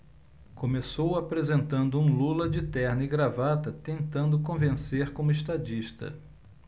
começou apresentando um lula de terno e gravata tentando convencer como estadista